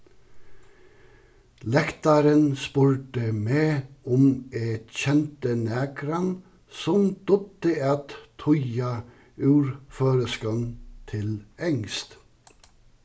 lektarin spurdi meg um eg kendi nakran sum dugdi at týða úr føroyskum til enskt